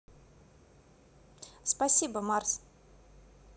спасибо марс